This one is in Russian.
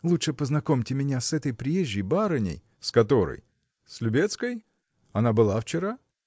лучше познакомьте меня с этой приезжей барыней. – С которой? с Любецкой? Она была вчера?